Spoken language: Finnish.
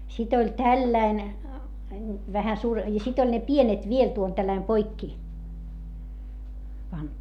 sitten oli tällainen vähän - ja sitten oli ne pienet vielä tuolla tällä lailla poikki pantu